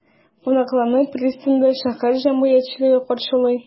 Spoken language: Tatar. Кунакларны пристаньда шәһәр җәмәгатьчелеге каршылый.